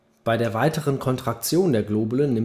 Bei der weiteren Kontraktion der Globulen